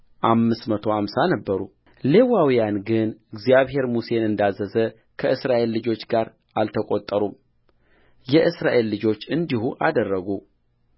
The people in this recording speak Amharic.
አምስት መቶ አምሳ ነበሩሌዋውያን ግን እግዚአብሔር ሙሴን እንዳዘዘ ከእስራኤል ልጆች ጋር አልተቈጠሩምየእስራኤል ልጆች እንዲሁ አደረጉ